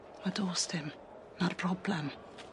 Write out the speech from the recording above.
Wel do's dim. 'Na'r broblem.